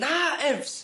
Na Ef's.